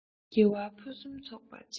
དགེ བ ཕུན སུམ ཚོགས པར སྤྱད